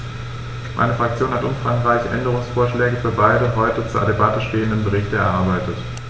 Meine Fraktion hat umfangreiche Änderungsvorschläge für beide heute zur Debatte stehenden Berichte erarbeitet.